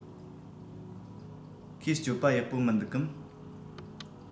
ཁོའི སྤྱོད པ ཡག པོ མི འདུག གམ